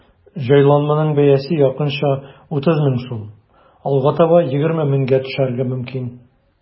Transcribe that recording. Җайланманың бәясе якынча 30 мең сум, алга таба 20 меңгә төшәргә мөмкин.